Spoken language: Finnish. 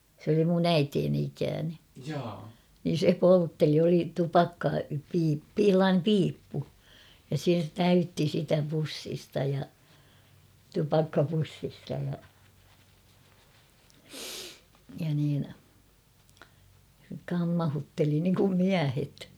se oli minun äitini ikäinen niin se poltteli oli -- sellainen piippu ja se täytti sitä pussista ja tupakkapussista ja ja niin kammautteli niin kuin miehet